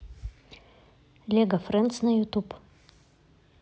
лего френдс на ютуб